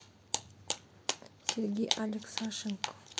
сергей алексашенко